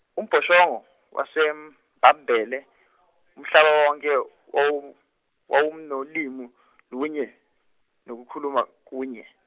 umbhoshongo, waseBhabhele Umhlaba wonke, wawu- wawunolimi, lunye, nokukhuluma, kunye.